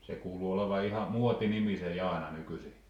se kuuluu olevan ihan muotinimi se Jaana nykyisin